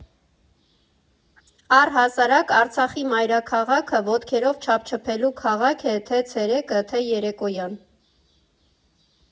Առհասարակ, Արցախի մայրաքաղաքը ոտքերով չափչփելու քաղաք է թե՛ ցերեկը, թե՛ երեկոյան։